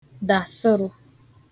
dàasụrụ